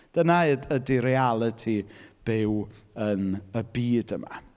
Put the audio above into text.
Dyna y- ydi realiti byw yn y byd yma.